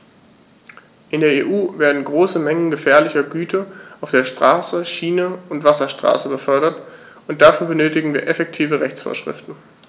In der EU werden große Mengen gefährlicher Güter auf der Straße, Schiene und Wasserstraße befördert, und dafür benötigen wir effektive Rechtsvorschriften.